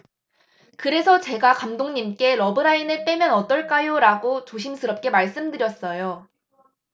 그래서 제가 감독님께 러브라인을 빼면 어떨까요라고 조심스럽게 말씀드렸어요